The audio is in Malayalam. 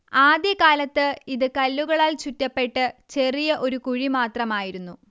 ആദ്യ കാലത്ത് ഇത് കല്ലുകളാൽ ചുറ്റപ്പെട്ട് ചെറിയ ഒരു കുഴി മാത്രമായിരുന്നു